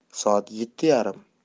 soat yetti yarim